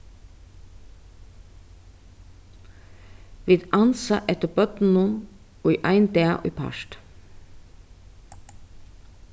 vit ansa eftir børnunum í ein dag í part